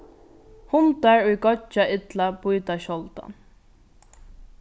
hundar ið goyggja illa bíta sjáldan